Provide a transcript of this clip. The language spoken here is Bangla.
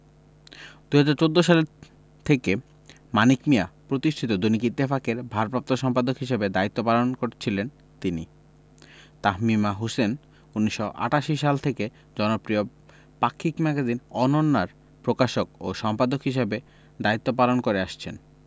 ২০১৪ সাল থেকে মানিক মিঞা প্রতিষ্ঠিত দৈনিক ইত্তেফাকের ভারপ্রাপ্ত সম্পাদক হিসেবে দায়িত্ব পালন করছিলেন তিনি তাসমিমা হোসেন ১৯৮৮ সাল থেকে জনপ্রিয় পাক্ষিক ম্যাগাজিন অনন্যা র প্রকাশক ও সম্পাদক হিসেবে দায়িত্ব পালন করে আসছেন